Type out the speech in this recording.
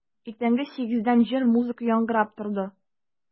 Иртәнге сигездән җыр, музыка яңгырап торды.